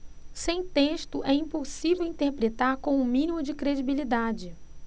sem texto é impossível interpretar com o mínimo de credibilidade